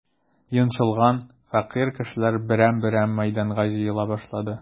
Йончылган, фәкыйрь кешеләр берәм-берәм мәйданга җыела башлады.